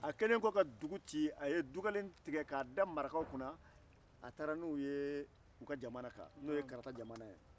a kɛlenkɔ ka dugu ci a ye dubalen tigɛ k'a da marakaw kunna a taara n'u ye u ka jamana kan n'o ye karata jamana ye